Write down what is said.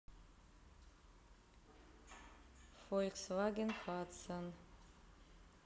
volkswagen хадсон